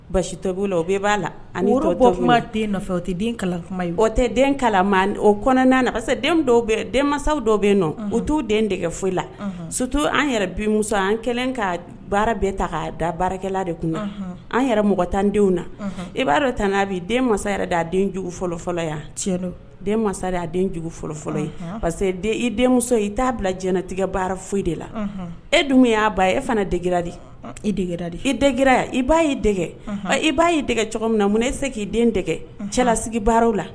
Basitobili la o b'a la ani o o tɛ den kala maa o kɔnɔna na parce den mansaw dɔw bɛ yen nɔ o' den dɛ foyi la sutu an yɛrɛ denmuso an kɛlen ka baara bɛɛ ta' da baarakɛlala de kun an yɛrɛ mɔgɔ tan denw na i b'a dɔ tan' a bi den mansa yɛrɛ d' a den fɔlɔfɔlɔ yan cɛ den mansa a fɔlɔfɔlɔ parce i denmuso i t'a bila jtigɛ baara foyi de la e dun y'a ba e fana degera di i degera di e dɛgra yan i b'a ye dɛgɛ i b baa' ye dɛ cogo min na e tɛ se k' i den dɛ cɛlalasigi baaraw la